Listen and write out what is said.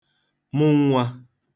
mụ nwā